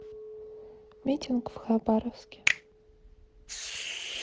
митинг в хабаровске